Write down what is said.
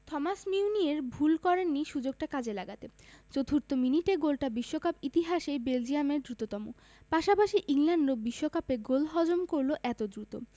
Meunier ভুল করেননি সুযোগটা কাজে লাগাতে চতুর্থ মিনিটে গোলটা বিশ্বকাপ ইতিহাসেই বেলজিয়ামের দ্রুততম পাশাপাশি ইংল্যান্ডও বিশ্বকাপে গোল হজম করল এত দ্রুত